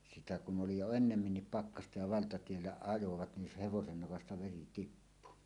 sitä kun oli jo enemmänkin pakkasta ja valtatiellä ajoivat niin se hevosen nokasta veri tippui